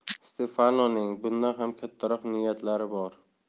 stefanoning bundan ham kattaroq niyatlari bor